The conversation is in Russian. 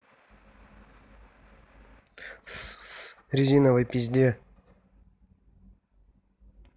с с резиновой пизде